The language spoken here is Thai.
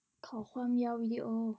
ขอความยาววิดีโอ